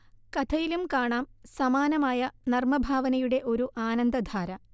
കഥയിലും കാണാം സമാനമായ നർമഭാവനയുടെ ഒരു ആനന്ദധാര